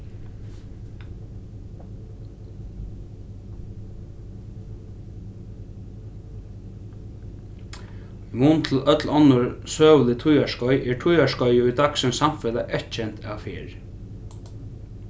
í mun til øll onnur søgulig tíðarskeið er tíðarskeiðið í dagsins samfelag eyðkent av ferð